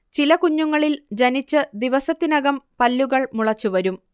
ചില കുഞ്ഞുങ്ങളിൽ ജനിച്ച് ദിവസത്തിനകം പല്ലുകൾ മുളച്ചുവരും